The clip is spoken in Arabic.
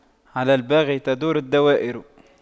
على الباغي تدور الدوائر